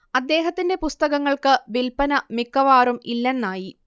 അദ്ദേഹത്തിന്റെ പുസ്തകങ്ങൾക്ക് വില്പന മിക്കവാറും ഇല്ലെന്നായി